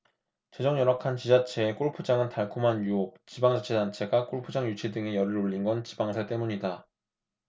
재정 열악한 지자체에 골프장은 달콤한 유혹지방자치단체가 골프장 유치 등에 열을 올린 건 지방세 때문이다